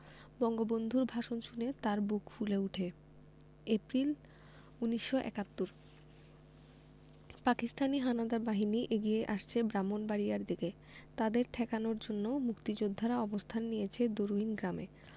বঙ্গবন্ধুর ভাষণ শুনে তাঁর বুক ফুলে ওঠে এপ্রিল ১৯৭১ পাকিস্তানি হানাদার বাহিনী এগিয়ে আসছে ব্রাহ্মনবাড়িয়ার দিকে তাদের ঠেকানোর জন্য মুক্তিযোদ্ধারা অবস্থান নিয়েছে দরুইন গ্রামে